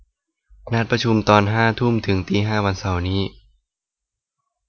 นัดประชุมตอนห้าทุ่มถึงตีห้าวันเสาร์นี้